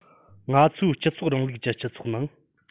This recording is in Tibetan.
ང ཚོའི སྤྱི ཚོགས རིང ལུགས ཀྱི སྤྱི ཚོགས ནང